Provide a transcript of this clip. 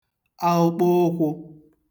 aụkpụụkwụ̄